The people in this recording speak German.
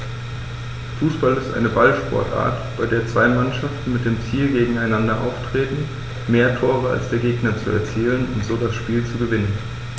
Fußball ist eine Ballsportart, bei der zwei Mannschaften mit dem Ziel gegeneinander antreten, mehr Tore als der Gegner zu erzielen und so das Spiel zu gewinnen.